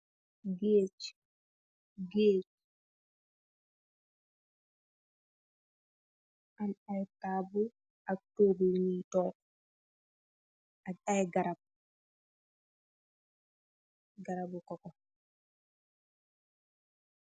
behrep bi feehlokai teh am ayyi tabul ak tokgu.